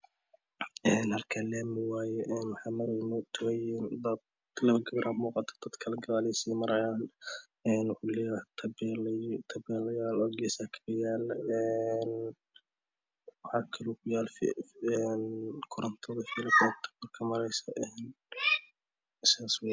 Halkaan lami wayee waxaa maraya mutooyin dad lapa gabaraa muuqata dad kle gadaalii sii marayaan waxuu leyahay tabeelayal oo gesaha kaga yaala waxaa kaloo ku yala korantada filada kor kamareeso saas weyaan